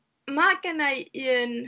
Ma' genna i un.